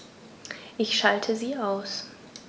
Ich schalte sie aus.